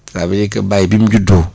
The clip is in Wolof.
ça veut dire que Baye bi mu juddoo